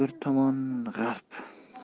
bir tomoni g'arb